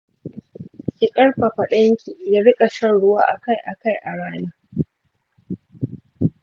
ki ƙarfafa danki ya riƙa shan ruwa a kai a kai a rana.